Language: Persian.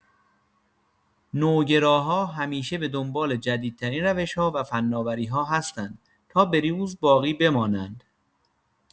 نوگراها همیشه به دنبال جدیدترین روش‌ها و فناوری‌ها هستند تا به‌روز باقی بمانند.